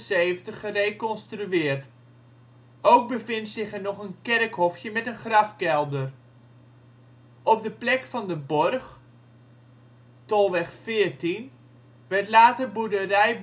1978 gereconstrueerd. Ook bevindt zich er nog een kerkhofje met een grafkelder. Op de plek van de borg (Tolweg 14) werd later boerderij